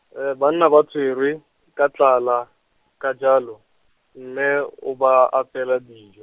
banna ba tshwerwa, ke tlala, ka jalo, mme o ba apeela dijo.